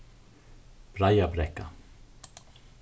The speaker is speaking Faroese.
breiðabrekka